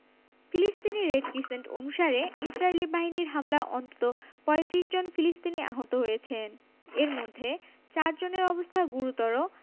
ফিলিস্তিনি red crescent অনুসারে ইসরাইলি বাহিনীর হামলায় অন্তত ৩৫ জন ফিলিস্তিনি আহত হয়েছেন এর মধ্যে চারজনের অবস্থা গুরুত্বর